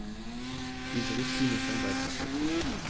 Diese Richtlinie ist ein Beitrag dazu.